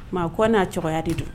Mɛ ko n'a cogoya de don